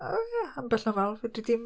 yy ambell nofel, fedri di'm...